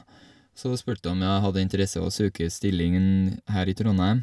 Så spurte om jeg hadde interesse å søke stillingen her i Trondheim.